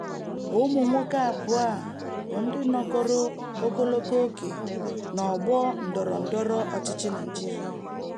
Ụmụ nwoke abụọ a bụ ndị nọgọro ogologo oge n'ọgbọ ndọrọ ndọrọ ọchịchị Nigeria.